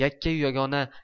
yakkayu yagona